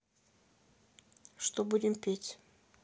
что будем петь